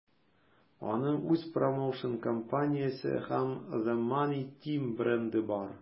Аның үз промоушн-компаниясе һәм The Money Team бренды бар.